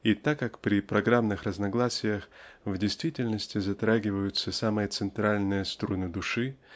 И так как при программных разногласиях в действительности затрагиваются самые центральные струны души